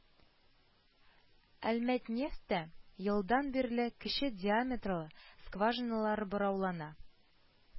«әлмәтнефть»тә елдан бирле кече диаметрлы скважиналар бораулана